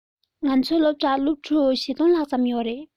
ང ཚོའི སློབ གྲྭར སློབ ཕྲུག ༤༠༠༠ ལྷག ཙམ ཡོད རེད